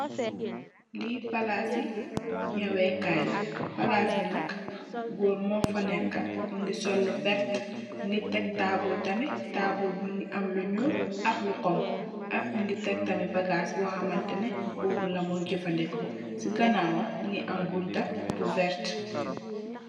Lii palasii njaweh kaii la, pahlass bii nak gorre mor fa neka, mungy sol lu vert, mungy tek taabul tamit, taabul bii mungy am lu njull ak lu honhu, ak mungy tek tamit bagass bor hamanteh neh bobu lamor jeufandehkor, cii ganawam mungy am buntah bu vert.